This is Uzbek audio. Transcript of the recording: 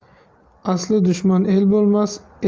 asli dushman el bo'lmas